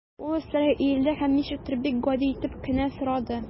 Ул өстәлгә иелде һәм ничектер бик гади итеп кенә сорады.